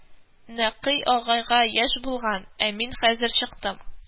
Нәкый агайга яшь булган, ә мин хәзер чыктым